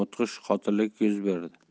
mudhish qotillik yuz berdi